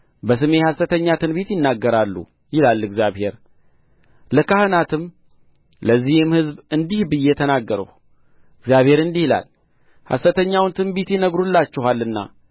በስሜ ሐሰተኛ ትንቢትን ይናገራሉ ይላል እግዚአብሔር ለካህናትም ለዚህም ሕዝብ እንዲህ ብዬ ተናገርሁ እግዚአብሔር እንዲህ ይላል ሐሰተኛውን ትንቢት ይናገሩላችኋልና